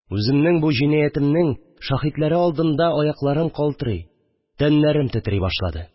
Үземнең бу җинаятемнең шаһидләре алдында аякларым калтырый, тәннәрем тетри башлады